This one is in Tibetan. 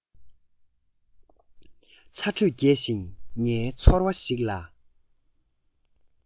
ཚ དྲོད རྒྱས ཤིང ངའི ཚོར བ ཞིག ལ